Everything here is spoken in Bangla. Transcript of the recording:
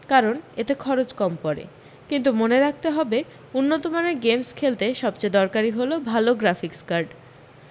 কারণ এতে খরচ কম পড়ে কিন্তু মনে রাখতে হবে উন্নতমানের গেমস খেলতে সবচেয়ে দরকারি হল ভাল গ্রাফিক্স কার্ড